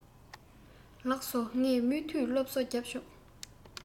ལགས སོ ངས མུ མཐུད སློབ གསོ རྒྱབ ཆོག